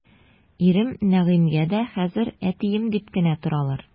Ирем Нәгыймгә дә хәзер әтием дип кенә торалар.